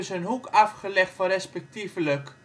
een hoek afgelegd van respectievelijk